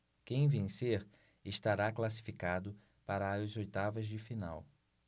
quem vencer estará classificado para as oitavas de final